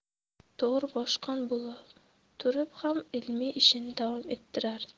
to'g'ri boshqon bo'laturib ham ilmiy ishini davom ettirar